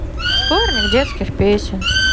сборник детских песен